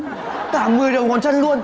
cả mười đầu ngón chân luôn